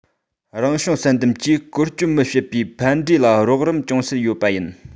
རང བྱུང བསལ འདེམས ཀྱིས བཀོལ སྤྱོད མི བྱེད པའི ཕན འབྲས ལ རོགས རམ ཅུང ཟད ཡོད པ ཡིན